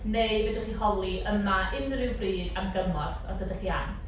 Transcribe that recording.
Neu fedrwch chi holi yma unrhyw bryd am gymorth os ydych chi am.